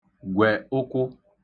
gwẹ̀ ụkwụ